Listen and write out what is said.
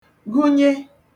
gụnye